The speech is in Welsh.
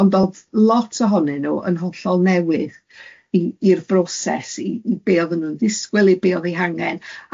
ond oedd lot ohonyn nhw yn hollol newydd i i'r broses, i i be oedden nhw'n ddisgwyl i be oedd eu hangen,